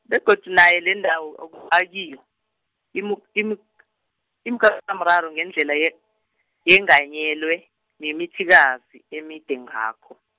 begodu nayo lendawo o- akiyo imu- imik- imikarisomraro ngendlela ye- yenganyelwe mimithikazi emide ngakho.